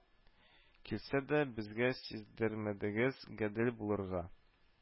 Килсә дә, безгә сиздермәдегез, гадел булырга